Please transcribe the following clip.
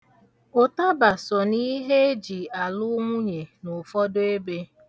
Ụtaba sọ n'ihe e ji alụ nwunye n'ụfọdụ ebe.